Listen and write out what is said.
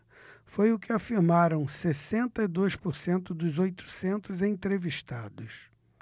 foi o que afirmaram sessenta e dois por cento dos oitocentos entrevistados